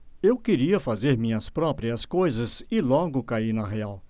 eu queria fazer minhas próprias coisas e logo caí na real